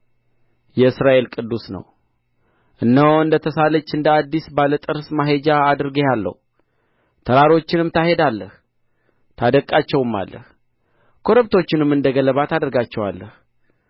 የእስራኤል ቅዱስ ነው እነሆ እንደ ተሳለች እንደ አዲስ ባለ ጥርስ ማሄጃ አድርጌሃለሁ ተራሮችንም ታሄዳለህ ታደቅቃቸውማለህ ኮረብቶችንም እንደ ገለባ ታደርጋቸዋለህ